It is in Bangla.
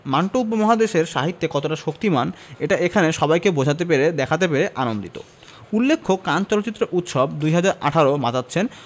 মান্টো উপমহাদেশের সাহিত্যে কতটা শক্তিমান এটা এখানে সবাইকে বোঝাতে পেরে দেখাতে পেরে আনন্দিত উল্লেখ্য কান চলচ্চিত্র উৎসব ২০১৮ মাতাচ্ছেন